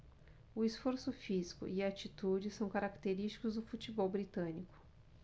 o esforço físico e a atitude são característicos do futebol britânico